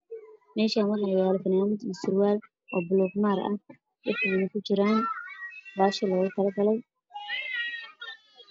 Meeshaan waxaa yaallo funaanad iyo surwaal oo buluug maari ah waxay na ku jiraan meeshii loogu tala galay